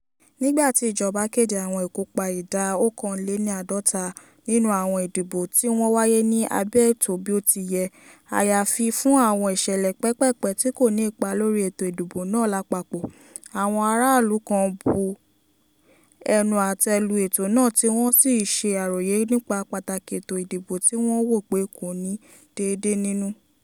Nígbà tí ìjọba kéde "àwọn ìkópa ìdá 51% nínú àwọn ìdìbò tí wọ́n wáyé ní abẹ́ ètò bí ó ti yẹ, àyàfi fún àwọn ìṣẹ̀lẹ̀ pẹ́ẹ́pẹ́ẹ̀pẹ́ tí kò ní ipa lórí ètò ìdìbò náà lápapọ̀" (orísun: MAP), àwọn ará-ìlú kan bu ẹnu àtẹ́ lu ètò náà tí wọ́n sì ṣe àròyé nípa pàtàkì ètò ìdìbò tí wọ́n wò pé kò ní déédé nínú.